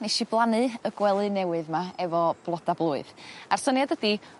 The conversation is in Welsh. nesh i blannu y gwely newydd 'ma efo bloda blwydd a'r syniad ydi